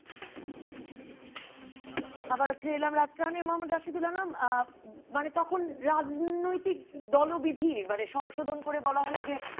আবারো ফিরে এলাম রাজকাহন এ মোঃ রাশেদুল আলম মানে তখন রাজনৈতিক দল বিধি মানে সংশোধন করে বলা হল যে